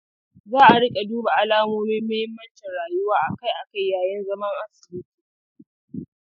za a riƙa duba alamomin muhimmancin rayuwa akai-akai yayin zaman asibiti.